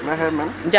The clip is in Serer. maxe meen